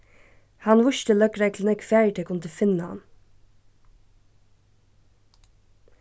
hann vísti løgregluni hvar ið tey kundu finna hann